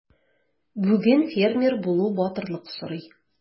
Бүген фермер булу батырлык сорый.